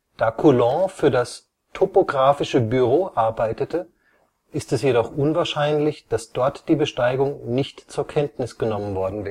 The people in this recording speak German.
Da Coulon für das’’ Topographische Bureau’’ arbeitete, ist es jedoch unwahrscheinlich, dass dort die Besteigung nicht zur Kenntnis genommen worden